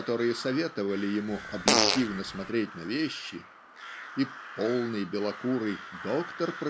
которые советовали ему "объективно смотреть на вещи" и "полный белокурый" доктор